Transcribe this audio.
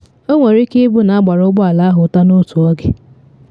Ọ nwere ike ịbụ na agbara ụgbọ ala ahụ ụta n’otu oge.